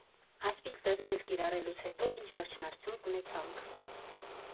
Այս ֆիլտրն էլ կիրառելուց հետո ինչ վերջնարդյունք ունեցանք։